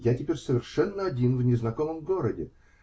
я теперь совершенно один в незнакомом городе